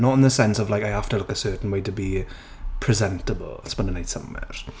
Not in the sense of like I have to look a certain way to be presentable. Os ma' hwnna'n wneud synnwyr?